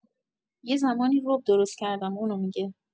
یه زمانی رب درست کردم اونو می‌گه